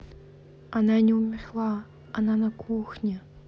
она не умерла она на кухне